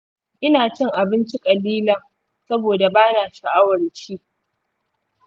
ina cin abinci ƙalilan saboda bana sha’awar ci.